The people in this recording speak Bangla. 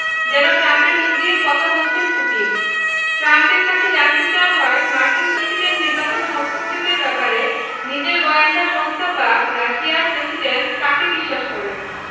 যেন ট্রাম্পের মুখ দিয়ে কথা বলছেন পুতিন ট্রাম্পের কাছে জানতে চাওয়া হয় মার্কিন প্রেসিডেন্ট নির্বাচনে হস্তক্ষেপের ব্যাপারে নিজের গোয়েন্দা সংস্থা বা রাশিয়ার প্রেসিডেন্ট কাকে বিশ্বাস করেন